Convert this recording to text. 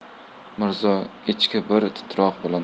mirzo ichki bir titroq